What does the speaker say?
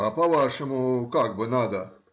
— А по-вашему как бы надо?